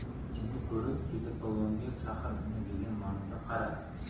elchinni ko'rib kesakpolvonga chaqir uni degan ma'noda qaradi